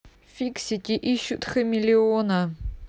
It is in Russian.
фиксики ищут хамелеона